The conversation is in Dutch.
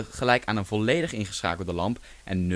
gelijk aan een volledig ingeschakelde lamp en